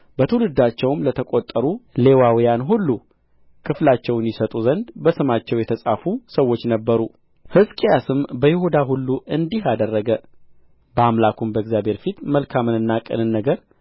በትውልዳቸውም ለተቈጠሩ ሌዋውያን ሁሉ ክፍላቸውን ይሰጡ ዘንድ በስማቸው የተጻፉ ሰዎች ነበሩ ሕዝቅያስም በይሁዳ ሁሉ እንዲህ አደረገ በአምላኩም በእግዚአብሔር ፊት መልካምንና ቅንን ነገር